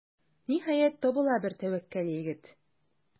Ниһаять, табыла бер тәвәккәл егет.